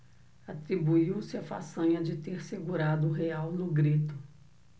atribuiu-se a façanha de ter segurado o real no grito